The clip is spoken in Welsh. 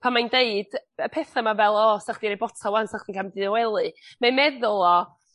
pan mae'n deud yy y petha 'ma fel o 'sych chdi roi botal 'wan 'sych chdi'n ca'l mynd i dy wely mae 'i meddwl o